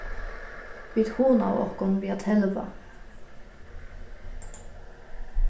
vit hugnaðu okkum við at telva